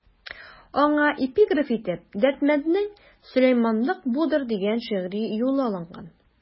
Аңа эпиграф итеп Дәрдмәнднең «Сөләйманлык будыр» дигән шигъри юлы алынган.